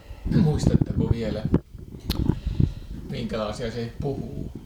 muistattako vielä minkälaisia se puhui